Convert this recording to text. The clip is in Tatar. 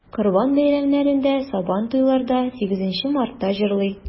Корбан бәйрәмнәрендә, Сабантуйларда, 8 Мартта җырлый.